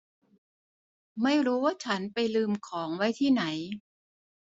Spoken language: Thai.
ไม่รู้ว่าฉันไปลืมของไว้ที่ไหน